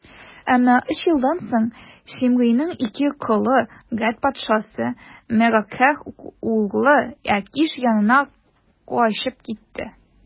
Әмма өч елдан соң Шимгыйның ике колы Гәт патшасы, Мәгакәһ углы Әкиш янына качып китте.